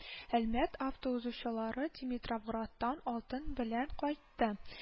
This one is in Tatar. Әлмәт автоузычулары Димитровградтан алтын белән кайтты